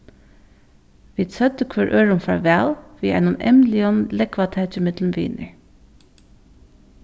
vit søgdu hvør øðrum farvæl við einum eymligum lógvataki millum vinir